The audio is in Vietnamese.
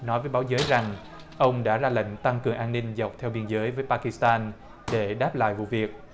nói với báo giới rằng ông đã ra lệnh tăng cường an ninh dọc theo biên giới với pa kít tan để đáp lại vụ việc